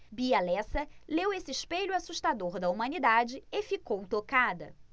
bia lessa leu esse espelho assustador da humanidade e ficou tocada